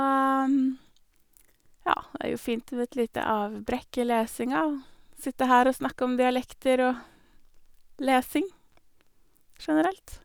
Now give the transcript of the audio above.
Ja, er jo fint med et lite avbrekk i lesinga og sitte her og snakke om dialekter og lesing generelt.